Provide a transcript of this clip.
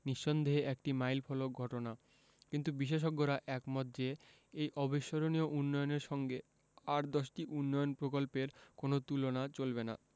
নিঃসন্দেহে একটি মাইলফলক ঘটনা কিন্তু বিশেষজ্ঞরা একমত যে এই অবিস্মরণীয় উন্নয়নের সঙ্গে আর দশটি উন্নয়ন প্রকল্পের কোনো তুলনা চলবে না